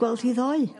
gweld hi ddoe